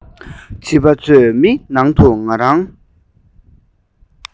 བྱིས པ ཚོའི མིག ནང དུ ང རང